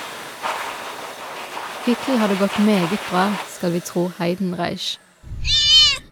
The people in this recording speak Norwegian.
Hittil har det gått meget bra, skal vi tro Heidenreich.